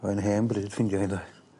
O'dd e'n hen bryd ffindio hi ynde?